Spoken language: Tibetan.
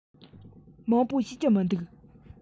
མང པོ ཤེས ཀྱི མི འདུག